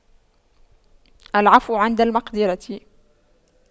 العفو عند المقدرة